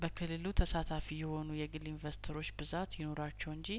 በክልሉ ተሳታፊ የሆኑ የግል ኢንቨስተሮች ብዛት ይኑራቸው እንጂ